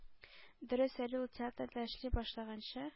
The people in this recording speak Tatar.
Дөрес, әле ул театрда эшли башлаганчы